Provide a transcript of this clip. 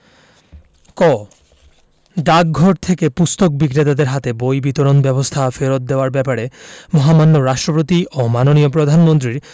ক ডাকঘর থেকে পুস্তক বিক্রেতাদের হাতে বই বিতরণ ব্যবস্থা ফেরত দেওয়ার ব্যাপারে মহামান্য রাষ্ট্রপতি ও মাননীয় প্রধানমন্ত্রীর